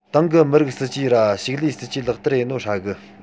ཏང གིགམི རིགས སྲིད ཇུག ར ཕྱུགས ལས སྲིད ཇུས ལག བལྟར ཡས ནོ རྫ གི